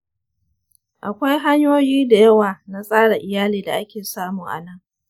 akwai hanyoyi da yawa na tsara iyali da ake samu a nan.